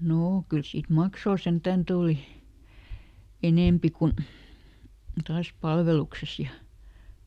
no kyllä siitä maksua sentään tuli enempi kuin taas palveluksessa ja